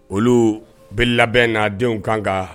Olub labɛn n'a denw kan kan